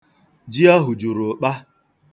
Ji ahụ juru ụkpa.